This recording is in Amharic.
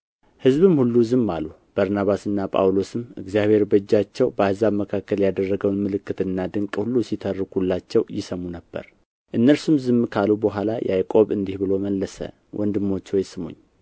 ሕዝቡም ሁሉ ዝም አሉ በርናባስና ጳውሎስም እግዚአብሔር በእጃቸው በአሕዛብ መካከል ያደረገውን ምልክትና ድንቅ ሁሉ ሲተርኩላቸው ይሰሙ ነበር እነርሱም ዝም ካሉ በኋላ ያዕቆብ እንዲህ ብሎ መለሰ ወንድሞች ሆይ ስሙኝ